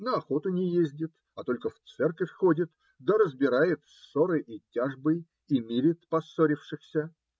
на охоту не ездит, а только в церковь ходит да разбирает ссоры и тяжбы и мирит поссорившихся.